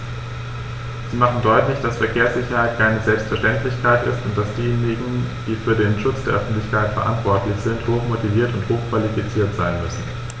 Sie machen deutlich, dass Verkehrssicherheit keine Selbstverständlichkeit ist und dass diejenigen, die für den Schutz der Öffentlichkeit verantwortlich sind, hochmotiviert und hochqualifiziert sein müssen.